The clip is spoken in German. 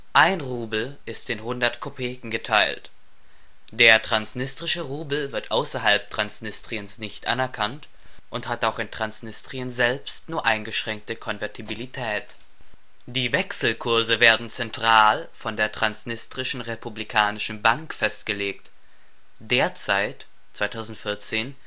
1 Rubel ist in 100 Kopeken geteilt. Der transnistrische Rubel wird außerhalb Transnistriens nicht anerkannt und hat auch in Transnistrien selbst nur eingeschränkte Konvertibilität. Die Wechselkurse werden zentral von der Transnistrischen Republikanischen Bank festgelegt, derzeit (2014